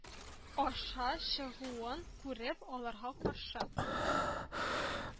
Аша чыгуын күреп, аларга каршы